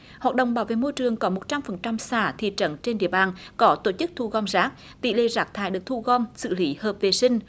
hoạt động bảo vệ môi trường có một trăm phần trăm xã thị trấn trên địa bàn có tổ chức thu gom rác tỷ lệ rác thải được thu gom xử lý hợp vệ sinh